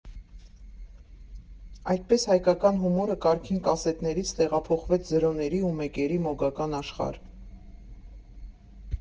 Այդպես, հայկական հումորը «Կարգին կասետներից» տեղափոխվեց զրոների ու մեկերի մոգական աշխարհ։